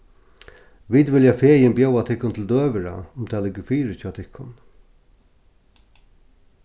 vit vilja fegin bjóða tykkum til døgurða um tað liggur fyri hjá tykkum